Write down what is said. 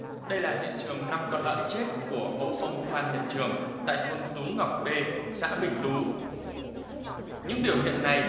đây là hiện trường năm con lợn chết của hộ ông phan nhật trường tại thôn tú ngọc bê xã bình tú những biểu hiện nay